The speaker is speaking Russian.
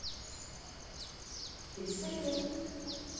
ты салют